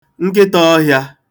nkịtā ọ̄hịā